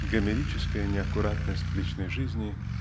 гомерическая неаккуратность в личной жизни